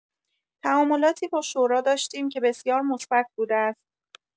تعاملاتی با شورا داشتیم که بسیار مثبت بوده است.